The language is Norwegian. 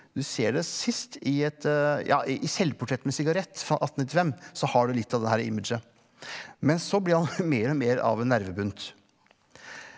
du ser det sist i et ja i i Selvportrett med sigarett fra 1895 så har du litt av det her imaget men så blir han mer og mer av en nervebunt.